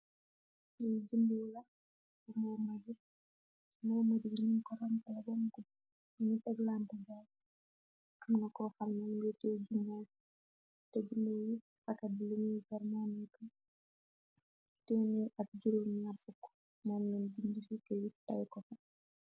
Moo madi yiñu koronsala bam bub dinit ekland bay am na ko xalna mingi te jumool te jime yi fakat bi liñiy german ko 1ne ak juróon narfuk mammen bi ndifi ke yit tay ko fe.